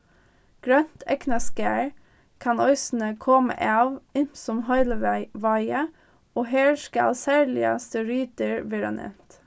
grønt kann eisini koma av ymsum og her skal serliga steroidir verða nevnt